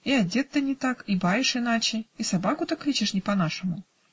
И одет-то не так, и баишь иначе, и собаку-то кличешь не по-нашему".